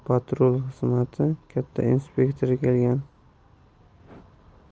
xizmati katta inspektori kelgan